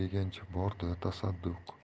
degancha bor da tasadduq